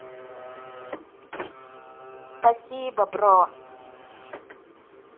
спасибо бро